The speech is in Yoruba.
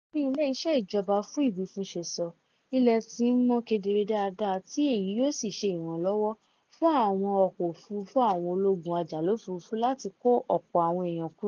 Gẹ́gẹ́ bí ilé-iṣẹ́ ìjọba fún Ìwífún ṣe sọ, ilẹ̀ ti ń mọ́ kedere dáadáa tí èyí yóò sì ṣe ìrànlọ́wọ́ fún àwọn ọkọ̀ òfurufú àwọn ológun ajàlófurufú láti kó ọ̀pọ̀ àwọn èèyàn kúrò.